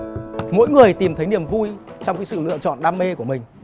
mỗi người tìm thấy niềm vui trong cái sự lựa chọn đam mê của mình